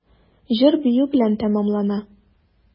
Җыр-бию белән тәмамлана.